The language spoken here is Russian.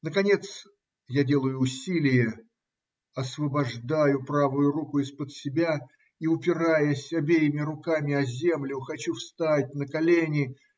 Наконец я делаю усилие, освобождаю правую руку из-под себя и, упираясь обеими руками о землю, хочу встать на колени.